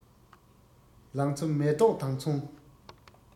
ལང ཚོ མེ ཏོག དང མཚུངས